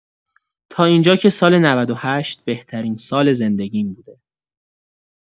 تا اینجا که سال ۹۸ بهترین سال زندگیم بوده!